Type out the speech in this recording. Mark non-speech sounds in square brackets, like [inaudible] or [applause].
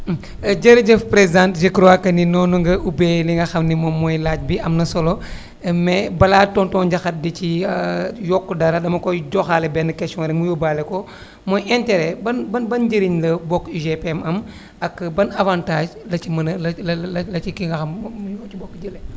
[hesitation] jërëjëf présidente je crois que ni noonu nga ubbee li nga xam ne moom mooy laaj bi am na solo [breath] mais balaa tonton Ndiakhate di ci [hesitation] yokk dara dama koy joxaale benn question rek mu yóbbaale ko [breath] mooy interet ban ban ban njariñ nga bokk UGPM am ak ban avantage la ci mën a la ci ki nga xam ni moom moo ci bokk jëlee